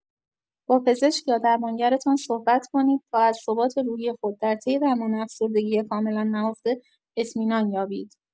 با پزشک یا درمانگرتان صحبت کنید تا از ثبات روحی خود در طی درمان افسردگی کاملا نهفته اطمینان یابید.